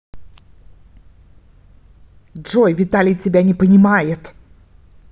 джой виталий тебя не понимает